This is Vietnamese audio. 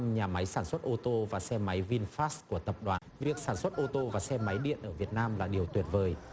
nhà máy sản xuất ô tô và xe máy vin phát của tập đoàn việc sản xuất ôtô và xe máy điện ở việt nam là điều tuyệt vời